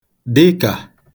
dịkà